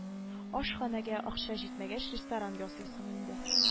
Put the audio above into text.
Ашханәгә акча җитмәгәч ресторан ясыйсың инде